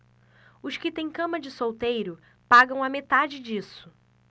os que têm cama de solteiro pagam a metade disso